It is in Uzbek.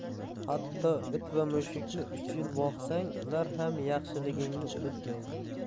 hatto it va mushukni uch yil boqsang ular ham yaxshiligingni unutmaydi